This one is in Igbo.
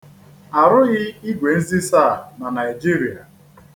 Arụghị igwenzisa a na Naịjirịa.